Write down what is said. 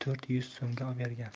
to'rt yuz so'mga obergan